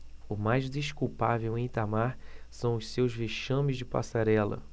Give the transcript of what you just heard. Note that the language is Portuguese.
o mais desculpável em itamar são os seus vexames de passarela